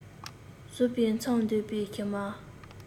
ཟོག པོའི མཚམ འདོན པའི བཞུ མར